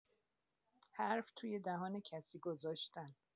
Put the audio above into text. حرف توی دهان کسی گذاشتن